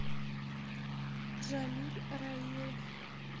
джамиль раилов